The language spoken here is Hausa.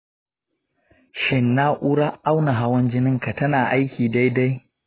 shin na’urar auna hawan jininka tana aiki daidai?